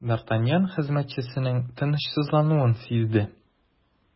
Д’Артаньян хезмәтчесенең тынычсызлануын сизде.